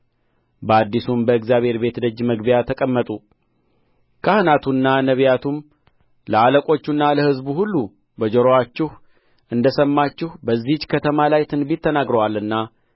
በአዲሱም በእግዚአብሔር ቤት ደጅ መግቢያ ተቀመጡ ካህናቱና ነቢያቱም ለአለቆቹና ለሕዝቡ ሁሉ በጆሮአችሁ እንደ ሰማችሁ በዚህች ከተማ ላይ ትንቢት ተናግአልና